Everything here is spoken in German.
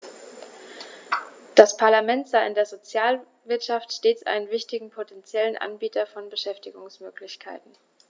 Das Parlament sah in der Sozialwirtschaft stets einen wichtigen potentiellen Anbieter von Beschäftigungsmöglichkeiten.